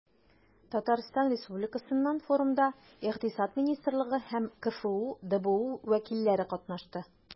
Татарстан Республикасыннан форумда Икътисад министрлыгы һәм КФҮ ДБУ вәкилләре катнашты.